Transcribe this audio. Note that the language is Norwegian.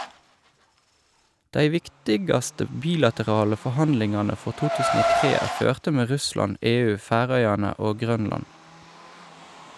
Dei viktigaste bilaterale forhandlingane for 2003 er førte med Russland, EU, Færøyane og Grønland.